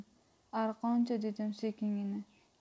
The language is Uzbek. arqon chi dedim sekingina